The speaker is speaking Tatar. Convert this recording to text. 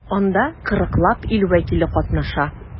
Анда 40 лап ил вәкиле катнаша.